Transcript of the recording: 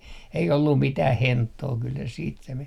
ei ollut mitään henttoa kyllä se sitten se meni